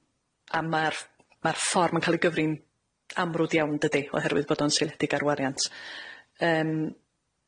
A ma'r ma'r ffor ma'n ca'l ei gyfri'n amrwd iawn, dydi? Oherwydd bod o'n seiliedig ar wariant. Yym